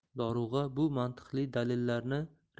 dorug'a bu mantiqli dalillarni